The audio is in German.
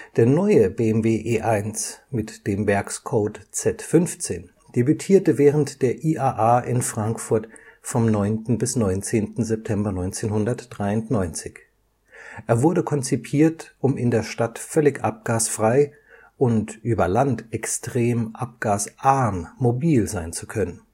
Der neue BMW E1 (Werkscode Z15) debütierte während der IAA in Frankfurt vom 9. – 19. September 1993. Er wurde konzipiert, um in der Stadt völlig abgasfrei und über Land extrem abgasarm mobil sein zu können